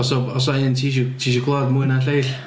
Oes 'na wb- oes 'na un ti isio ti isio clywed mwy 'na'r lleill?